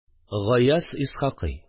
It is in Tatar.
Гаяз Исхакый